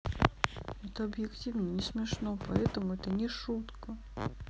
это объективно не смешно поэтому это не шутка